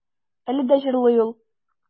Әле дә җырлый ул.